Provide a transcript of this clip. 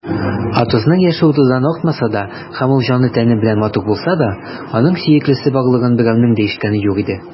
Атосның яше утыздан артмаса да һәм ул җаны-тәне белән матур булса да, аның сөеклесе барлыгын берәүнең дә ишеткәне юк иде.